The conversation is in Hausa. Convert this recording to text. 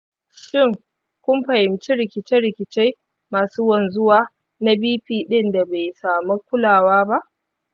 shin kun fahimci rikice-rikice masu wanzuwa na bp ɗinda bai samu kulawa ba?